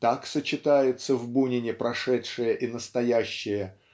Так сочетается в Бунине прошедшее и настоящее